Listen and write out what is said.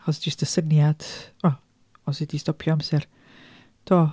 Achos jyst y syniad. O os fedri di stopio amser. Do.